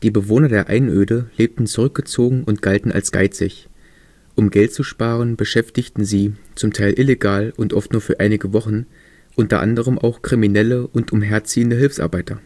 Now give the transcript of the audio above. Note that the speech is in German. Bewohner der Einöde lebten zurückgezogen und galten als geizig. Um Geld zu sparen, beschäftigten sie – zum Teil illegal und oft nur für einige Wochen – unter anderem auch kriminelle und umherziehende Hilfsarbeiter